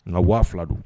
Nga 2000 don.